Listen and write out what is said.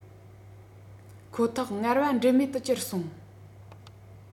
ཁོ ཐག ངལ བ འབྲས མེད དུ གྱུར སོང